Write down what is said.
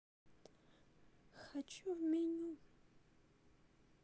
хочу в меню